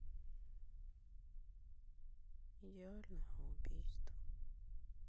идеальное убийство